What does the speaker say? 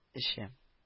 Эче